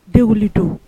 Den wuli don